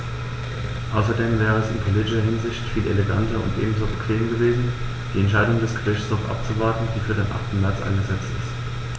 Außerdem wäre es in politischer Hinsicht viel eleganter und ebenso bequem gewesen, die Entscheidung des Gerichtshofs abzuwarten, die für den 8. März angesetzt ist.